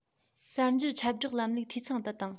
གསར འགྱུར ཁྱབ བསྒྲགས ལམ ལུགས འཐུས ཚང དུ བཏང